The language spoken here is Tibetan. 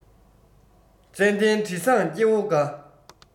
ཙན དན དྲི བཟང སྐྱེ བོ དགའ